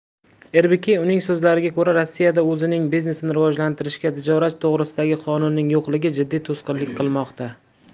rbk uning so'zlariga ko'ra rossiyada o'zining biznesini rivojlantirishga tijorat to'g'risidagi qonunning yo'qligi jiddiy to'sqinlik qilmoqda